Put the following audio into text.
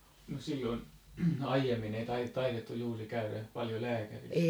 no silloin aiemmin ei taidettu juuri käydä paljon lääkärissä